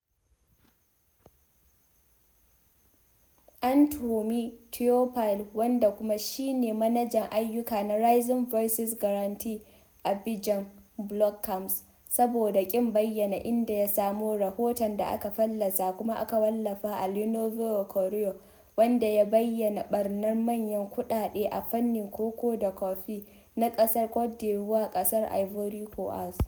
An tuhumi Théophile, wanda kuma shi ne manajan ayyuka na Rising Voices grantee Abidjan Blog Camps, saboda ƙin bayyana inda ya samo rahoton da aka fallasa kuma aka wallafa a Le Nouveau Courrier, wanda ya bayyana ɓarnar manyan kuɗaɗe a fannin cocoa da coffee na ƙasar Côte d'Ivoire (ƙasar Ivory Coast).